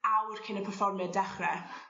awr cyn y perfformiad dechre